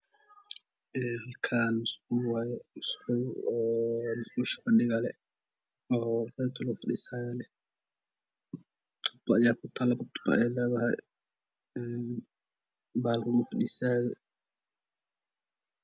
Halkaan musqul waaye musqusha oo fadhiga leh geedka lagu fadhiisanayo leh laba tuubo ayay leedahay iyo bahalka lagu fa dhiisanayo